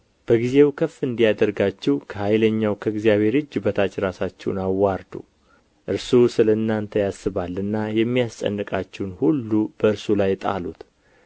በጊዜው ከፍ እንዲያደርጋችሁ ከኃይለኛው ከእግዚአብሔር እጅ በታች ራሳችሁን አዋርዱ እርሱ ስለ እናንተ ያስባልና የሚያስጨንቃችሁን ሁሉ በእርሱ ላይ ጣሉት